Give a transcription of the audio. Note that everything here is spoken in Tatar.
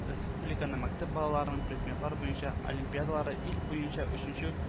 Республиканы мәктәп балаларының предметлар буенча олимпиадаларда ил буенча өченче